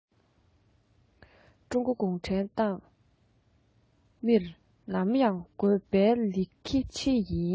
ཀྲུང གོའི གུང ཁྲན ཏང མིར ནམ ཡང དགོས པའི ལི ཁེ ཆང དང